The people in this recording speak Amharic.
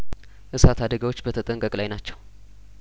እሳት አደጋዎች በተጠንቀቅ ላይ ናቸው